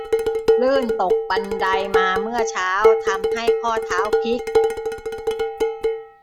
ลื่นตกบันไดมาเมื่อเช้าทำให้ข้อเท้าพลิก